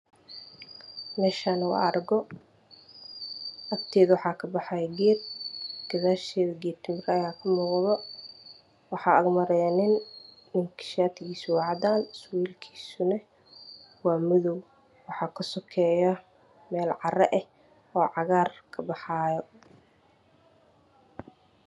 Meeshaan waa aargo. Agteeda waxaa kabaxaayo geed. Gadaasheeda geed timireed ayaa kamuuqdo waxaa agmaraayo nin. Ninku shaatigiisu waa cadaan surwaal kiisana waa madow. Waxaa kasukeeyo meel carro ah oo cagaar kabaxaayo.